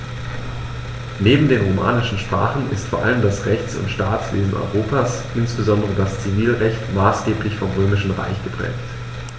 Neben den romanischen Sprachen ist vor allem das Rechts- und Staatswesen Europas, insbesondere das Zivilrecht, maßgeblich vom Römischen Recht geprägt.